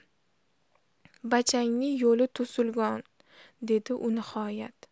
bachangni yo'li to'sulgon dedi u nihoyat